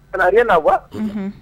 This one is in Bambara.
A na wa